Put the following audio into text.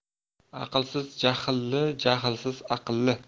aqlsiz jahlli jahlsiz aqlli